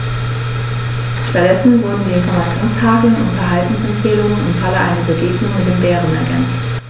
Stattdessen wurden die Informationstafeln um Verhaltensempfehlungen im Falle einer Begegnung mit dem Bären ergänzt.